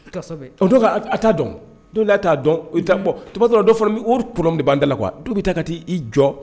T'a dɔn la t'a dɔn i taa bɔ tobaa dɔ fɔlɔ o t de ban da la kuwa dɔw bɛ taa ka taa i jɔ